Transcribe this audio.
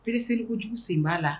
Pere selieli jugu sen b'a la